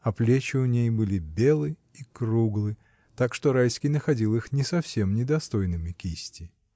А плечи у ней были белы и круглы, так что Райский находил их не совсем недостойными кисти.